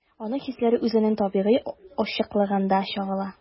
Аның хисләре үзенең табигый ачыклыгында чагыла.